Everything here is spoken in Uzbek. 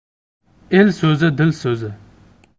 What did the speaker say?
el so'zi dil so'zi